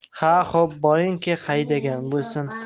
ha xo'p boringki haydagan bo'lsin